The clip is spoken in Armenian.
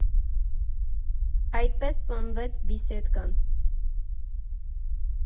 Այդպես ծնվեց «Բիսեդկան»։